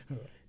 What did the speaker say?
waaw